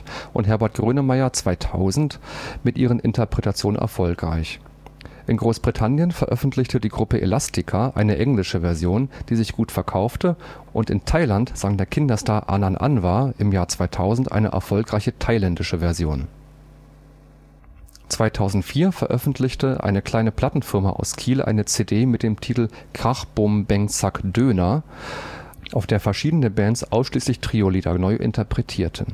und Herbert Grönemeyer (2000) mit ihren Interpretationen erfolgreich. In Großbritannien veröffentlichte die Gruppe Elastica eine englische Version, die sich gut verkaufte, und in Thailand sang der Kinderstar Anan Anwar im Jahr 2000 eine erfolgreiche thailändische Version 2004 veröffentlichte eine kleine Plattenfirma aus Kiel eine CD mit dem Titel „ Krach Bum Bäng Zack Döner “, auf der verschiedene Bands ausschließlich Trio-Lieder neu interpretierten